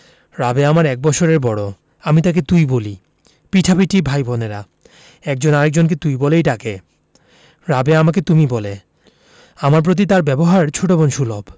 রাবেয়া আমার এক বৎসরের বড় আমি তাকে তুই বলি পিঠাপিঠি ভাই বোনের একজন আরেক জনকে তুই বলেই ডাকে রাবেয়া আমাকে তুমি বলে আমার প্রতি তার ব্যবহার ছোট বোন সুলভ